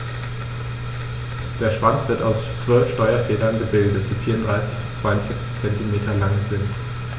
Der Schwanz wird aus 12 Steuerfedern gebildet, die 34 bis 42 cm lang sind.